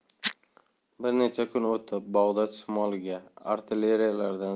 bir necha kun o'tib bag'dod shimoliga artilleriyadan